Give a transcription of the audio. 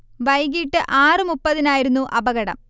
വൈകിട്ട് ആറ് മുപ്പതിനായിരുന്നു അപകടം